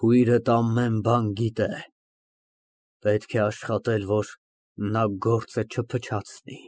Քույրդ ամեն բան գիտե։ Պետք է աշխատել, որ նա գործը չփչացնի։